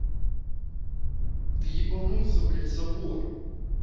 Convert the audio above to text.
ты ебанулась блять собор